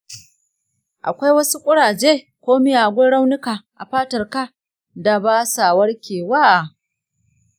akwai wasu ƙuraje ko miyagun raunuka a fatarka da ba sa warkewa?